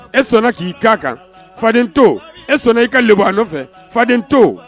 E sɔnna k'i kan kan faden to e sɔnna i ka lebbɔ a nɔfɛ faden to